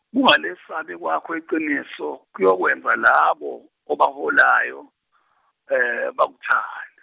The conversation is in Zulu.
ukungalesabi kwakho iqiniso kuyokwenza labo obaholayo bakuthande.